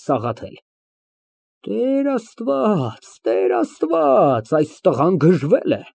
ՍԱՂԱԹԵԼ ֊ Տեր Աստված, Տեր Աստված, այս տղան գժվել է։